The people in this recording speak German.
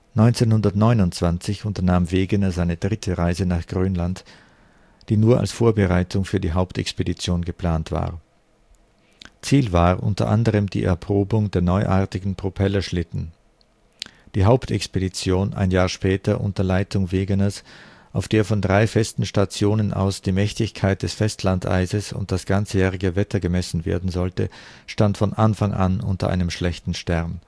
1929 unternahm Wegener seine dritte Reise nach Grönland, die nur als Vorbereitung für die Hauptexpedition geplant war. Ziel war unter anderem die Erprobung der neuartigen Propellerschlitten. Die Hauptexpedition ein Jahr später unter Leitung Wegeners, auf der von drei festen Stationen aus die Mächtigkeit des Festlandeises und das ganzjährige Wetter gemessen werden sollte, stand von Anfang an unter einem schlechten Stern